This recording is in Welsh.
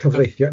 Cyfreithiol.